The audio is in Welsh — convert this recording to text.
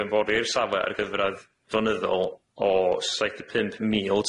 fewnforio i'r safle ar gyfradd flynyddol o saith deg pump mil